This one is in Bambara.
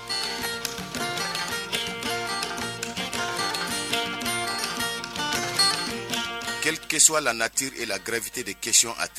Kikisɛsu a lati i la gariɛrɛfiti de keon a